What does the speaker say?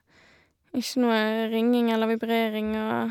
Ikke noe ringing eller vibrering, og...